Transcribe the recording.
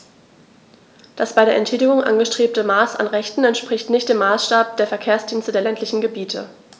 Das bei der Entschädigung angestrebte Maß an Rechten entspricht nicht dem Maßstab der Verkehrsdienste der ländlichen Gebiete.